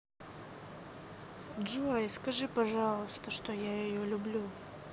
джой скажи пожалуйста что я ее люблю